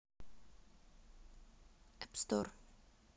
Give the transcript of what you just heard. апп стор